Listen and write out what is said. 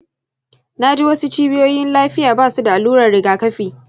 na ji wasu cibiyoyin lafiya ba su da allurar rigakafi.